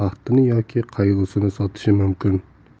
baxtini yoki qayg'usini sotishi mumkin